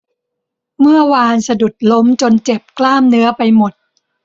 เมื่อวานสะดุดล้มจนเจ็บกล้ามเนื้อไปหมด